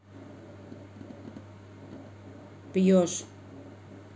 пьешь